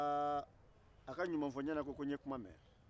haa a ka ɲumanfɔ-n-ɲɛna ko n ye kuma mɛ